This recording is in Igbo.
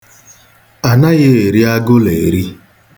Anaghị eri agụụlọ eri.